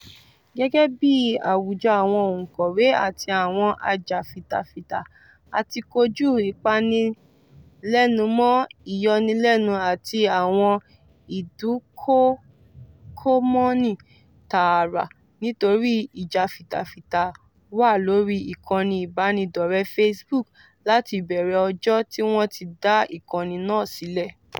Gẹ́gẹ́ bíi àwùjọ àwọn ọ̀ǹkọ̀wé àti àwọn ajàfitafita, a ti kojú ìpanilẹ́numọ́, ìyọnilẹ́nu àti àwọn ìdúnkòokòmọ́ni tààrà nítorí ìjàfitafita wa lórí ìkànnì ìbánidọ́rẹ̀ẹ́ Facebook láti ìbẹ̀rẹ̀ ọjọ́ tí wọ́n ti dá ìkànnì náà sílẹ̀.